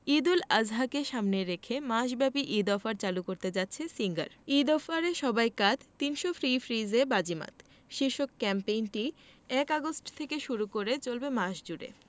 ঈদুল আজহাকে সামনে রেখে মাসব্যাপী ঈদ অফার চালু করতে যাচ্ছে সিঙ্গার ঈদ অফারে সবাই কাত ৩০০ ফ্রি ফ্রিজে বাজিমাত শীর্ষক ক্যাম্পেইনটি ১ আগস্ট থেকে শুরু হয়ে চলবে মাস জুড়ে